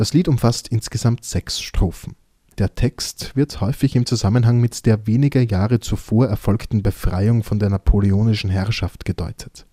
Lied umfasst insgesamt sechs Strophen. Der Text wird häufig im Zusammenhang mit der wenige Jahre zuvor erfolgten Befreiung von der napoleonischen Herrschaft gedeutet